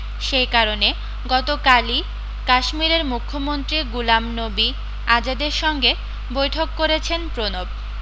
সেই কারণে গত কালি কাশ্মীরের মুখ্যমন্ত্রী গুলাম নবি আজাদের সঙ্গে বৈঠক করেছেন প্রণব